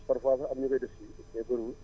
parfois sax am ñu koy def si *